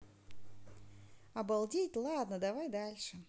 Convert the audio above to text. обалдеть ладно давай дальше